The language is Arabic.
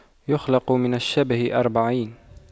يخلق من الشبه أربعين